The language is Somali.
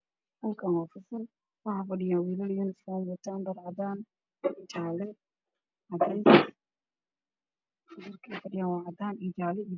Halkaan waxaa ka muuqdo arday fadhido midabka dharkooda waa shaati cadaan iyo surwaal cadays ah kuwana waa shaati jaalo iyo surwaal cadays ah